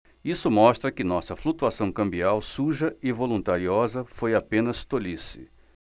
isso mostra que nossa flutuação cambial suja e voluntariosa foi apenas tolice